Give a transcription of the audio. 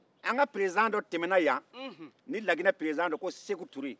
an ka peresidan dɔ tɛmɛnna yan ni laginɛ peresidan don ko seku ture